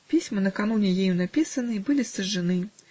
Письма, накануне ею написанные, были сожжены